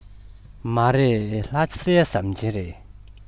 མ རེད ལྷ སའི ཟམ ཆེན རེད